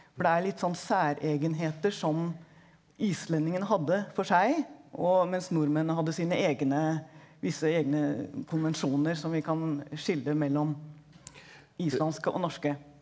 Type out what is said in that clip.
for det er litt sånn særegenheter som islendingene hadde for seg og mens nordmenn hadde sine egne visse egne konvensjoner som vi kan skille mellom islandske og norske.